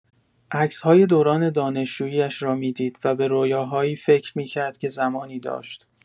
عکس‌های دوران دانشجویی‌اش را می‌دید و به رویاهایی فکر می‌کرد که زمانی داشت.